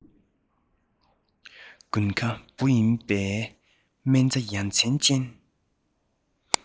དགུན ཁ འབུ ཡིན བའི སྨན རྩྭ ཡ མཚན ཅན